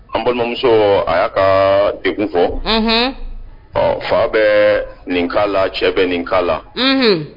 An balimamuso a y'a ka e fɔ ɔ fa bɛ nin' la cɛ bɛ ni kala la